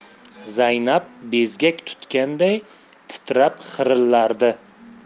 zaynab bezgak tutganday titrab xirillardi